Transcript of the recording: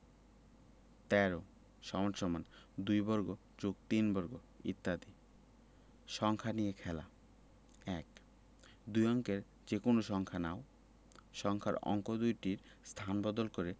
১৩ = ২ বর্গ + ৩ বর্গ ইত্যাদি সংখ্যা নিয়ে খেলা ১ দুই অঙ্কের যেকোনো সংখ্যা নাও সংখ্যার অঙ্ক দুইটির স্থান বদল করে